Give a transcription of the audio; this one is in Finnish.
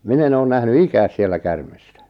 minä en ole nähnyt ikänä siellä käärmettä